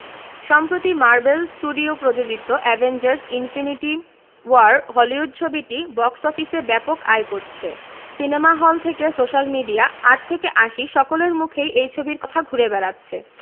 সম্প্রতি Marvel studio প্রযোজিত Avengers infinity war Hollywood ছবিটি বক্স অফিসে ব্যাপক আয় করছে সিনেমা হল থেকে সোশ্যাল মিডিয়া আট থেকে আশি সকলের মুখেই এই ছবির কথা ঘুরে বেড়াচ্ছে